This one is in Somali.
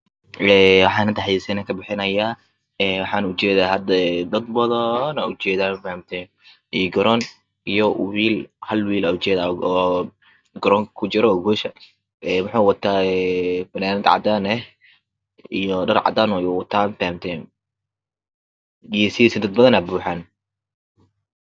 Een waxan hada xayeysiin ka bixinayaa ee waxana ujedaa dad badaanaa ujeeda ma fahanteen iyo garoon iyo wiil hal wiil ujedaa oo garoonka ku jiro gosha wuxu wataa een fanaanad cadaan ah iyo dhar cadaan ayuu wataa ma fahamteen gesihiisa dad bdaaan buxaan